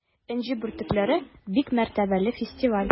“энҗе бөртекләре” - бик мәртәбәле фестиваль.